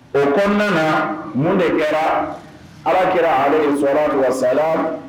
O tuma na mun de kɛra ala kɛra ale sɔrɔ tumasa